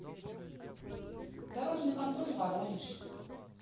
дорожный контроль воронеж